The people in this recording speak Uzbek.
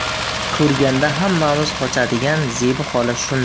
ko'rganda hammamiz qochadigan zebi xola shumi